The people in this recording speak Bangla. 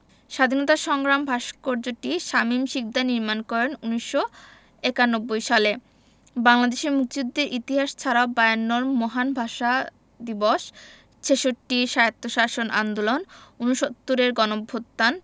স্বাধীনতা সংগ্রাম ভাস্কর্যটি শামীম শিকদার নির্মাণ করেন ১৯৯১ সালে বাংলাদেশের মুক্তিযুদ্ধের ইতিহাস ছাড়াও বায়ান্নর মহান ভাষা দিবস ছেষট্টির স্বায়ত্তশাসন আন্দোলন উনসত্তুরের গণঅভ্যুত্থান